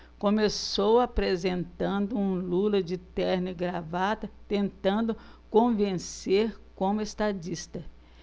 começou apresentando um lula de terno e gravata tentando convencer como estadista